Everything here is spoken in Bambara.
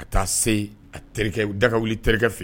Ka taa se a terikɛ daga wuli terikɛ fɛ yen